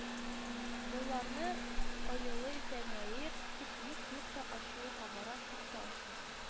Боларны аөлый фәнияр, тик юк-юк та ачуы кабара, туктаусыз